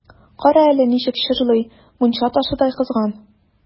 Кара әле, ничек чыжлый, мунча ташыдай кызган!